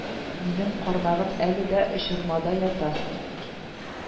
Минем кармагым әле дә очырмада ята